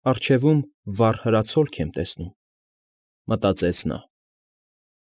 Առջևում վառ հրացոլք եմ տեսնում»,֊ մտածեց նա։